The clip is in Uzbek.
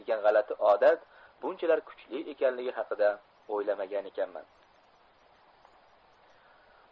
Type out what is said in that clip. degan g'alati odat bunchalar kuchli ekanligi hakida o'ylamagan ekanman